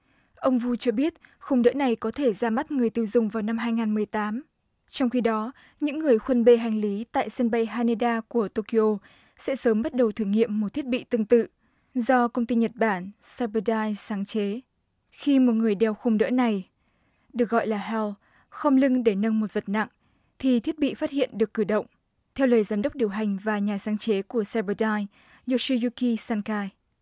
ông vu cho biết khung đỡ này có thể ra mắt người tiêu dùng vào năm hai ngàn mười tám trong khi đó những người khuân bê hành lý tại sân bay ha nê đa của tô ki ô sẽ sớm bắt đầu thử nghiệm một thiết bị tương tự do công ty nhật bản sa bu đai sáng chế khi một người đeo khung đỡ này được gọi là heo khom lưng để nâng một vật nặng thì thiết bị phát hiện được cử động theo lời giám đốc điều hành và nhà sáng chế của sa bơ đai nhiêu si du ki san cai